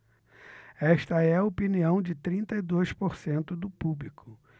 esta é a opinião de trinta e dois por cento do público